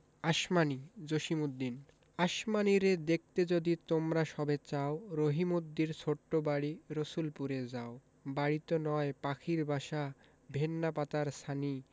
আসমানী জসিমউদ্দিন আসমানীরে দেখতে যদি তোমরা সবে চাও রহিমদ্দির ছোট্ট বাড়ি রসুলপুরে যাও বাড়িতো নয় পাখির বাসা ভেন্না পাতার ছানি